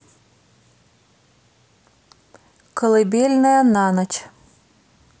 колыбельная на ночь